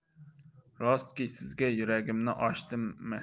rostki sizga yuragimni ochdimmi